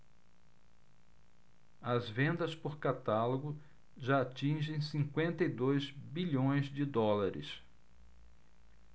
as vendas por catálogo já atingem cinquenta e oito bilhões de dólares